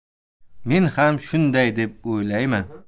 men ham shunday deb o'ylayman